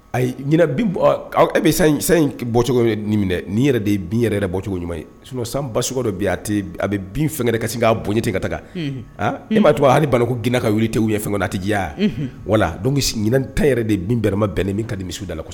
Ayi bɛ san in bɔcogo nin minɛ ni yɛrɛ de ye bin yɛrɛ bɔcogo ɲuman ye san baso dɔ bitɛ a bɛ bin fɛnɛrɛ kasi se k' bonyaɲɛ ten ka ta kan aa ne m'a to a hali' ko ginna ka wuli tɛ ɲɛ fɛn kɔnɔna tɛ diya yan wala don ɲinin ta yɛrɛ de binrɛma bɛnnen min ka di misida kɔsɔn